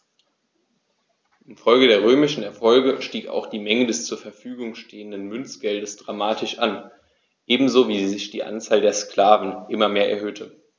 Infolge der römischen Erfolge stieg auch die Menge des zur Verfügung stehenden Münzgeldes dramatisch an, ebenso wie sich die Anzahl der Sklaven immer mehr erhöhte.